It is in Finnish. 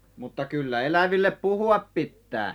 mutta kyllä eläville puhua pitää